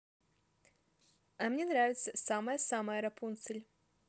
а мне нравится самая самая рапунцель